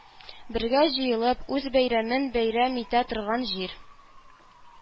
Бергә җыелып, үз бәйрәмен бәйрәм итә торган җир